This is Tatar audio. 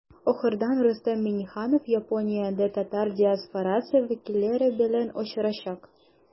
Ахырдан Рөстәм Миңнеханов Япониядә татар диаспорасы вәкилләре белән очрашачак.